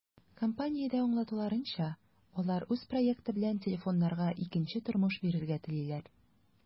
Компаниядә аңлатуларынча, алар үз проекты белән телефоннарга икенче тормыш бирергә телиләр.